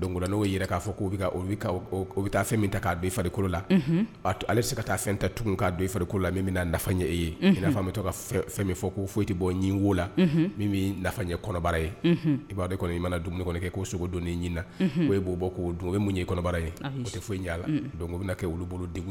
Don bɛ taa fari la ale se ka taa fɛn ta fari la min bɛna nafa ye e ye'a bɛ fɛn fɔ' foyi tɛ bɔ wo la min lafi ye kɔnɔbara ye i b'a i mana dumuni kɛ ko sogo don ɲinina o e b'o bɔ ko' don bɛ mun ye kɔnɔbara ye o tɛ foyi' la bɛ kɛ wu olu bolo